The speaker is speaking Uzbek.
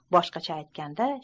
boshqacha aytganda